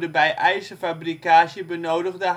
bij ijzerfabricage benodigde